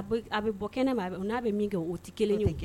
A bɛ bɔ kɛnɛ ma n'a bɛ min kɛ o tɛ kelen kɛ